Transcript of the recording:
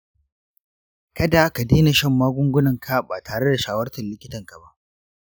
kada ka daina shan magungunanka ba tare da shawartar likitan ka ba.